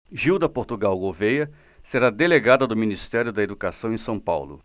gilda portugal gouvêa será delegada do ministério da educação em são paulo